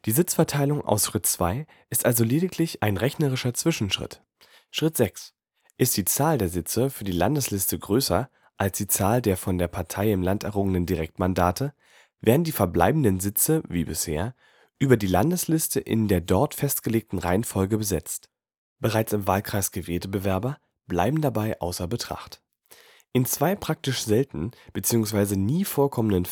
Sitzverteilung aus Schritt 2 ist also lediglich ein rechnerischer Zwischenschritt. Schritt 6: Ist die Zahl der Sitze für die Landesliste größer als die Zahl der von der Partei im Land errungenen Direktmandate, werden die verbleibenden Sitze (wie bisher) über die Landesliste in der dort festgelegten Reihenfolge besetzt. Bereits im Wahlkreis gewählte Bewerber bleiben dabei außer Betracht. In zwei praktisch selten bzw. nie vorkommenden